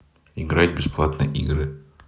играть бесплатно игры